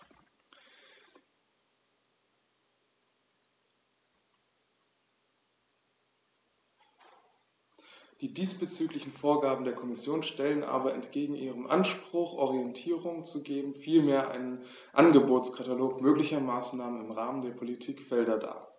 Die diesbezüglichen Vorgaben der Kommission stellen aber entgegen ihrem Anspruch, Orientierung zu geben, vielmehr einen Angebotskatalog möglicher Maßnahmen im Rahmen der Politikfelder dar.